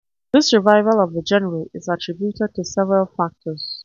This revival of the genre is attributed to several factors.